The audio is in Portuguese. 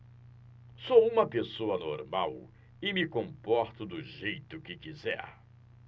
sou homossexual e me comporto do jeito que quiser